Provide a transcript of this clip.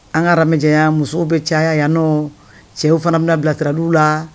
An kaya musow bɛ caya yan n'o cɛw fana bɛna bilasirarali la